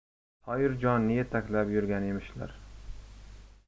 toyirjonni yetaklab yurgan emishlar